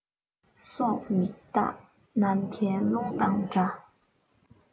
སྲོག མི རྟག ནམ མཁའི གློག དང འདྲ